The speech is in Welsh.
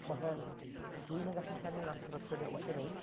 Ma fe'n... Dwi'm yn gallu llenwi mas yr opsiwnau dwi eisiau wneud.